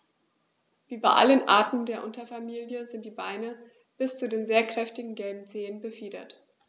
Wie bei allen Arten der Unterfamilie sind die Beine bis zu den sehr kräftigen gelben Zehen befiedert.